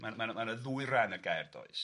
Ma'n ma'n ma' na ddwy ran y gair does.